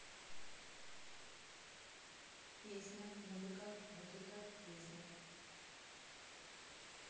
песня музыка музыка песня